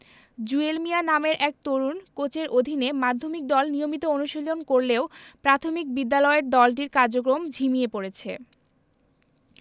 জুয়েল মিয়া নামের এক তরুণ কোচের অধীনে মাধ্যমিক দল নিয়মিত অনুশীলন করলেও প্রাথমিক বিদ্যালয়ের দলটির কার্যক্রম ঝিমিয়ে পড়েছে